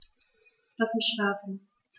Lass mich schlafen